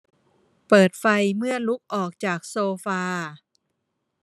เปิดไฟเมื่อลุกออกจากโซฟา